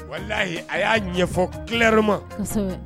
Walahi a y'a ɲɛfɔ tile ma